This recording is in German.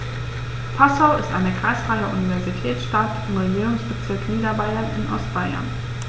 Passau ist eine kreisfreie Universitätsstadt im Regierungsbezirk Niederbayern in Ostbayern.